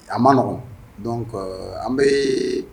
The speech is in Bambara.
A ma nɔ dɔn an bɛ